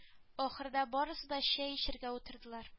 Ахырда барысы да чәй эчәргә утырдылар